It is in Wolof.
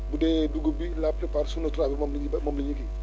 bu dee dugub bi la plus part Suuna 3 bi moom la ñuy béy moom la ñuy kii